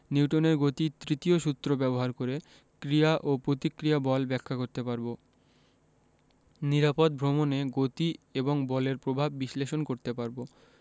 নিউটনের গতির তৃতীয় সূত্র ব্যবহার করে ক্রিয়া ও প্রতিক্রিয়া বল ব্যাখ্যা করতে পারব নিরাপদ ভ্রমণে গতি এবং বলের প্রভাব বিশ্লেষণ করতে পারব